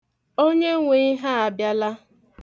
Onyenwe ihe abịala!